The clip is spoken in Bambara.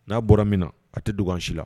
N'a bɔra min na a tɛ dug si la